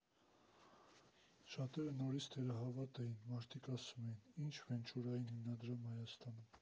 Շատերը նորից թերահավատ էին, մարդիկ ասում էին՝ «ի՞նչ վենչուրային հիմնադրամ Հայաստանում»։